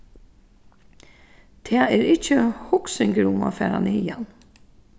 tað er ikki hugsingur um at fara niðan